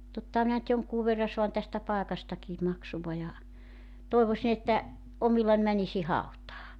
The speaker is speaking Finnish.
tottahan minä nyt jonkun verran saan tästä paikastakin maksua ja toivoisin että omillani menisin hautaan